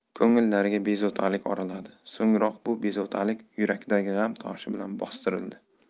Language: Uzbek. ko'ngillariga bezovtalik oraladi so'ngroq bu bezovtalik yurakdagi g'am toshi bilan bostirildi